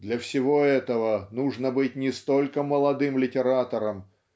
для всего этого нужно быть не столько молодым литератором